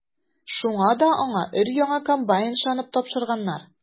Шуңа да аңа өр-яңа комбайн ышанып тапшырганнар.